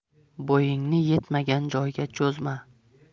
bo'yingni yetmagan joyga cho'zma